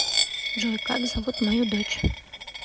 джой как зовут мою дочь